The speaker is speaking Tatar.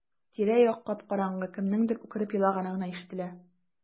Тирә-як кап-караңгы, кемнеңдер үкереп елаганы гына ишетелә.